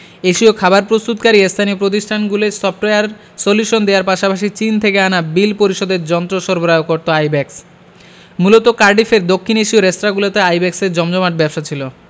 এশীয় খাবার প্রস্তুতকারী স্থানীয় প্রতিষ্ঠানগুলোয় সফটওয়্যার সলিউশন দেওয়ার পাশাপাশি চীন থেকে আনা বিল পরিশোধের যন্ত্র সরবরাহ করত আইব্যাকস মূলত কার্ডিফের দক্ষিণ এশীয় রেস্তোরাঁগুলোতে আইব্যাকসের জমজমাট ব্যবসা ছিল